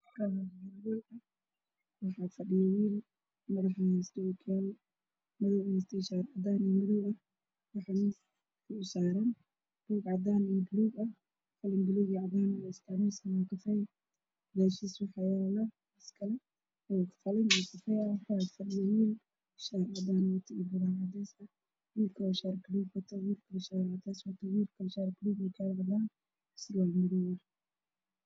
Meshaan waxaa fadhiyo will waxa uu wataa ookiyala madow iyo cadaan ah